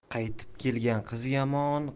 qaytib kelgan qiz yomon